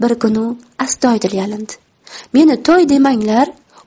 bir kuni u astoydil yalindi meni toy demanglar